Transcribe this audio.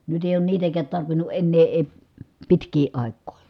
nyt ei ole niitäkään tarvinnut enää ei pitkiin aikoihin